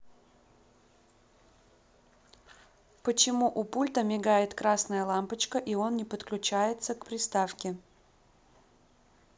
почему у пульта мигает красная лампочка и он не подключается к приставке